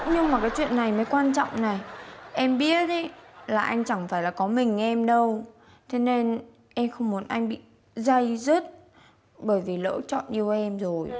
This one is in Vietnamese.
nhưng mà cái chuyện này mới quan trọng này em biết ý là anh chẳng phải là có mình em đâu thế nên em không muốn anh bị day dứt bởi vì lỡ chọn yêu em rồi